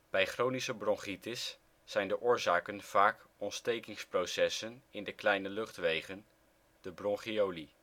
Bij chronische bronchitis zijn de oorzaken vaak ontstekingsprocessen in de kleine luchtwegen, de bronchioli